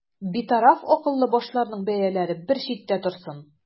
Битараф акыллы башларның бәяләре бер читтә торсын.